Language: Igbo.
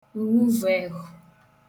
uwe uvùehụ